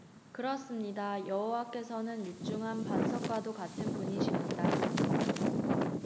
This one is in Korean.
그렇습니다 여호와께서는 육중한 반석과도 같은 분이십니다